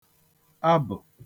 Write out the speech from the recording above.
abụ̀